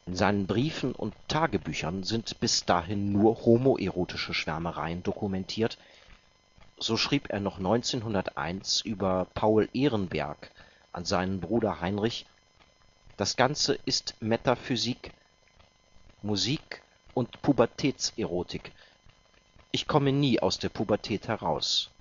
seinen Briefen und Tagebüchern sind bis dahin nur homoerotische Schwärmereien dokumentiert, so schrieb er noch 1901 über Paul Ehrenberg an seinen Bruder Heinrich „ Das Ganze ist Metaphysik, Musik und Pubertätserotik: – ich komme nie aus der Pubertät heraus